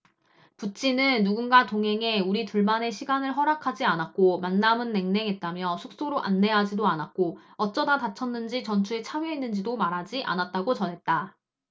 부친은 누군가 동행해 우리 둘만의 시간을 허락하지 않았고 만남은 냉랭했다며 숙소로 안내하지도 않았고 어쩌다 다쳤는지 전투에 참여했는지도 말하지 않았다고 전했다